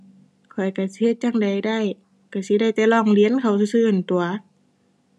ข้อยก็สิเฮ็ดจั่งใดได้ ก็สิได้แต่ร้องเรียนเขาซื่อซื่อนั้นตั่ว